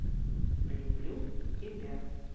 люблю тебя